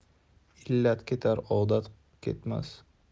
illat ketar odat ketmas